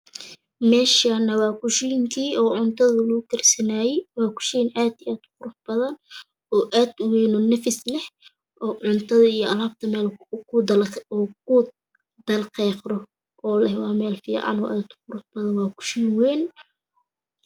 Meeshaane waa ku shiinkii cuntada lagu karsanaayay. Waa Kushiin aad iyo aad u qurux badan. Waynoo nafis leh. Oo cuntada iyo alaabta meel oo kuu "dalqaafro" kala deeqda leh. oo waa meel fiican oo aad u qurux badan. waa skushiin wayn